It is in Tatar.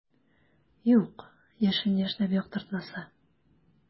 Юк, яшен яшьнәп яктыртмаса.